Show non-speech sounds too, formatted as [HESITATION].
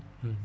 [HESITATION] [HESITATION]